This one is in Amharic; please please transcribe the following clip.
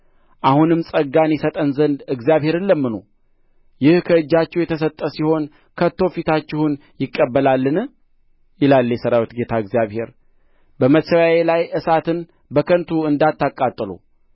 አሁንም ጸጋን ይሰጠን ዘንድ እግዚአብሔርን ለምኑ ይህ ከእጃችሁ የተሰጠ ሲሆን ከቶ ፊታችሁን ይቀበላልን ይላል የሠራዊት ጌታ እግዚአብሔር በመሠዊያዬ ላይ እሳትን በከንቱ እንዳታቃጥሉ